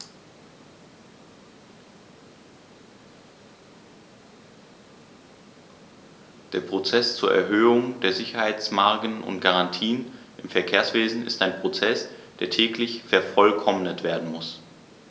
Der Prozess zur Erhöhung der Sicherheitsmargen und -garantien im Verkehrswesen ist ein Prozess, der täglich vervollkommnet werden muss.